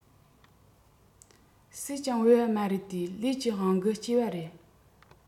སུས ཀྱང བོས པ མ རེད དེ ལས ཀྱི དབང གིས སྐྱེས པ རེད